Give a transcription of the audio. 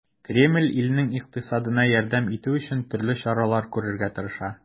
Кремль илнең икътисадына ярдәм итү өчен төрле чаралар күрергә тырыша.